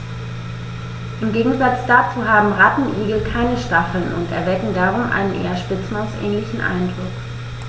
Im Gegensatz dazu haben Rattenigel keine Stacheln und erwecken darum einen eher Spitzmaus-ähnlichen Eindruck.